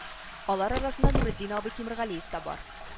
Алар арасында нуретдин абый тимергалеев та бар